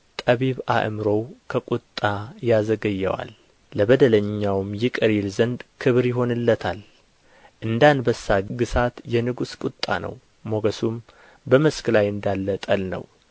ጠቢብ አእምሮው ከቍጣ ያዘገየዋል ለበደለኛውም ይቅር ይል ዘንድ ክብር ይሆንለታል እንደ አንበሳ ግሣት የንጉሥ ቍጣ ነው ሞገሱም በመስክ ላይ እንዳለ ጠል ነው